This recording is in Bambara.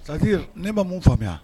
Sa ne ma mun faamuya